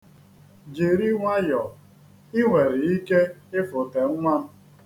Jiri nwayọ, i nwere ike ịfụte nnwa m.